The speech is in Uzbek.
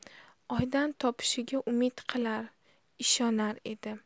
oydan topishiga umid qilar ishonar edi